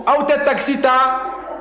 aw tɛ takisi ta